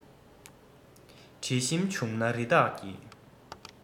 དྲི ཞིམ འབྱུང ན རི དྭགས ཀྱི